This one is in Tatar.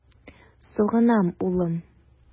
Сагынам, улым!